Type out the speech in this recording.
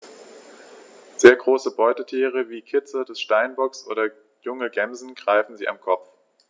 Sehr große Beutetiere wie Kitze des Steinbocks oder junge Gämsen greifen sie am Kopf.